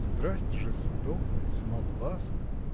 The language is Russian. Страсть жестока и самовластна.